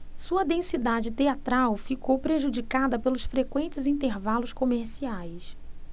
sua densidade teatral ficou prejudicada pelos frequentes intervalos comerciais